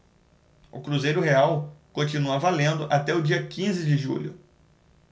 o cruzeiro real continua valendo até o dia quinze de julho